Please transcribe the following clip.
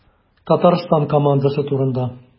Татарстан командасы турында.